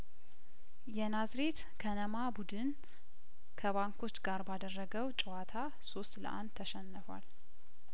የናዝሬት ከነማ ቡድን ከባንኮች ጋር ባደረገው ጨዋታ ሶስት ለአንድ ተሸንፏል